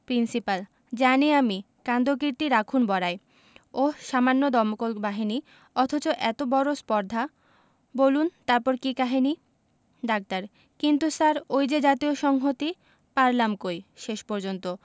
principal জানি আমি কাণ্ডকীর্তি রাখুন বড়াই ওহ্ সামান্য দমকল বাহিনী অথচ এত বড় স্পর্ধা বুলন তারপর কি কাহিনী ডাক্তার কিন্তু স্যার ওই যে জাতীয় সংহতি পারলাম কই শেষ পর্যন্ত